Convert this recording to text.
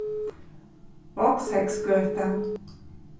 vágsheygsgøta